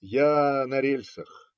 Я на рельсах